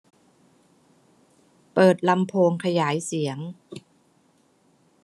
เปิดลำโพงขยายเสียง